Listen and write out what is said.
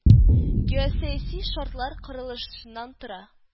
Геосәяси шартлар корылышыннан тора